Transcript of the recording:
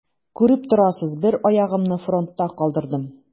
Күреп торасыз: бер аягымны фронтта калдырдым.